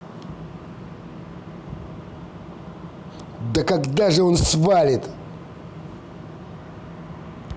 да когда он уже свалит